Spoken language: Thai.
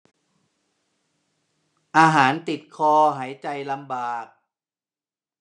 อาหารติดคอหายใจลำบาก